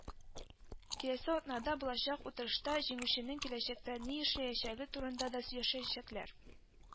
Киләсе атнада булачак утырышта җиңүченең киләчәктә ни эшләячәге турында да сөйләшәчәкләр